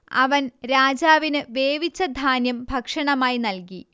അവൻ രാജാവിന് വേവിച്ച ധാന്യം ഭക്ഷണമായി നൽകി